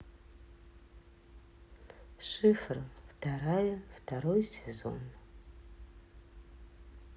шифр вторая второй сезон